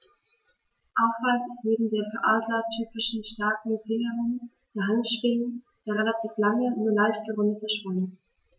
Auffallend ist neben der für Adler typischen starken Fingerung der Handschwingen der relativ lange, nur leicht gerundete Schwanz.